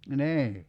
niin